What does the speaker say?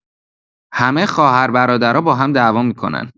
همه خواهر و برادرا با هم دعوا می‌کنن.